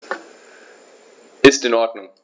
Ist in Ordnung.